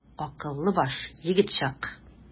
Акыллы баш, егет чак.